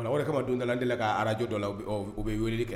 Wɛrɛ kamama don da deli k ka araj dɔn u bɛ wele kɛ